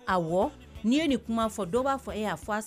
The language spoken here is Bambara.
I fɔ dɔw b'a fɔ